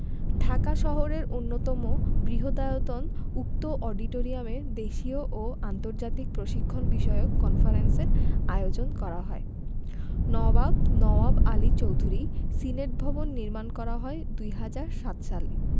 ঢাকা শহরের অন্যতম বৃহদায়তন উক্ত অডিটোরিয়ামে দেশীয় ও আন্তর্জাতিক প্রশিক্ষণ বিষয়ক কনফারেন্সের আয়োজন করা হয় নবাব নওয়াব আলী চৌধুরী সিনেটভবন নির্মাণ করা হয় ২০০৭ সালে